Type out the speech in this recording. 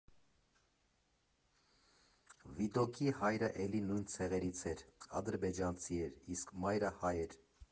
Վիդոկի հայրը էլի նույն ցեղերից էր, ադրբեջանցի էր, իսկ մայրը հայ էր։